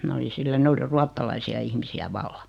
minä olin sillä ne oli ruotsalaisia ihmisiä vallan